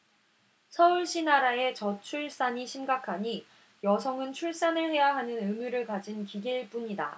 서울시나라의 저출산이 심각하니 여성은 출산을 해야 하는 의무를 가진 기계일 뿐이다